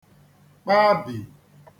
kpabì